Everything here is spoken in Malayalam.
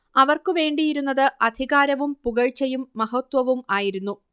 അവർക്കുവേണ്ടിയിരുന്നത് അധികാരവും പുകഴ്ച്ചയും മഹത്ത്വവും ആയിരുന്നു